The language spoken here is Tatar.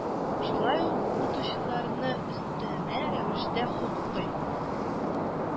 Шулай ук укытучыларны өстәмә рәвештә хокукый